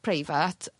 preifat